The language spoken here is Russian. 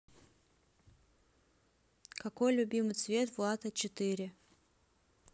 какой любимый цвет влад а четыре